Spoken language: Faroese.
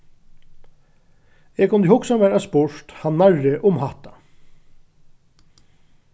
eg kundi hugsað mær at spurt hann nærri um hatta